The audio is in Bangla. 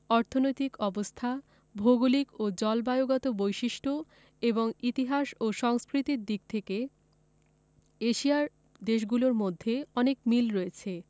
অর্থনৈতিক অবস্থা ভৌগলিক ও জলবায়ুগত বৈশিষ্ট্য এবং ইতিহাস ও সংস্কৃতির দিক থেকে এশিয়ার দেশগুলোর মধ্যে অনেক মিল রয়েছে